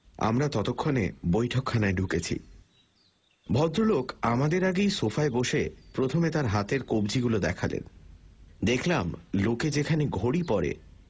আমরা ততক্ষণে বৈঠকখানায় ঢুকেছি ভদ্রলোক আমাদের আগেই সোফায় বসে প্রথমে তাঁর হাতের কবজিগুলো দেখালেন দেখলাম লোকে যেখানে ঘড়ি পরে